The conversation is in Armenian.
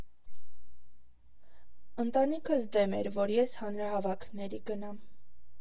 Ընտանիքս դեմ էր, որ ես հանրահավաքների գնամ։